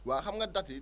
waa xam nga dates yi